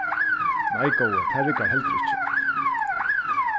nei góði tað riggar heldur ikki